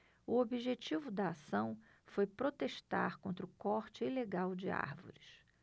o objetivo da ação foi protestar contra o corte ilegal de árvores